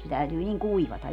se täytyy niin kuivata